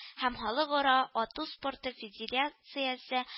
Һәм халыкара ату спорты федерациясе